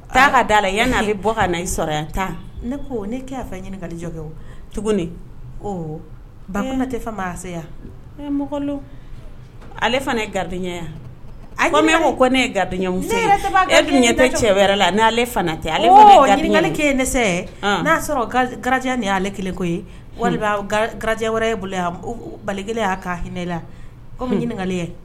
Taa ka da la yan'ale bɔ ka sɔrɔ yan ne ko ne' ɲininkaka jɔ kɛ tuguni bamanan tɛ fɛn maya mɔgɔ ale fana ye garid yan ko ko ne ye gari cɛ wɛrɛ laale tɛ alekakɛ ye ne n'a sɔrɔ garijɛ nin ye'ale kelen ko walima garijɛ wɛrɛ ye bolo baliya'a hinɛ la ko ɲininkaka ye